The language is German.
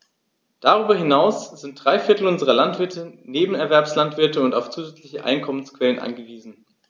Darüber hinaus sind drei Viertel unserer Landwirte Nebenerwerbslandwirte und auf zusätzliche Einkommensquellen angewiesen.